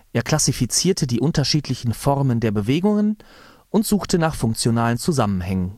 Er klassifizierte die unterschiedlichen Formen der Bewegungen und suchte nach funktionalen Zusammenhängen